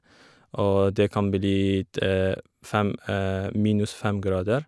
Og det kan bli fem minus fem grader.